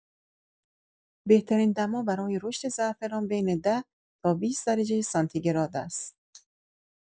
بهترین دما برای رشد زعفران بین ۱۰ تا ۲۰ درجه سانتی‌گراد است.